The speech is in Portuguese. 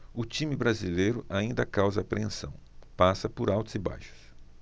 o time brasileiro ainda causa apreensão passa por altos e baixos